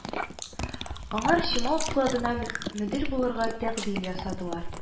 Аңар чимал складына мөдир булырга тәкъдим ясадылар